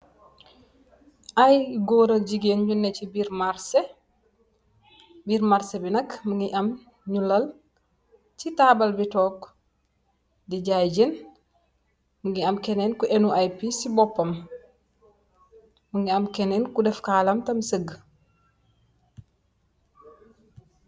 Aye goor ak jigeen yu neh si birr marche birr Marche bi nak am nyu lal si tabal bi tok di jaye jhen amna kenen ku enuh piss si bopam amna kenen ku daf kalah di saguh